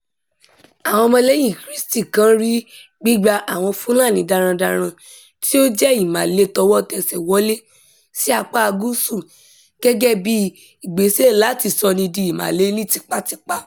Àwọn Ọmọ-lẹ́yìn-in-krístì kan “rí gbígba àwọn Fulani darandaran tí ó jẹ́ Ìmàle tọwọ́tẹsẹ̀ wọlé sí apáa gúúsù gẹ́gẹ́ bíi ìgbésẹ̀ láti 'Sọnidìmàlè' ní tipátipá.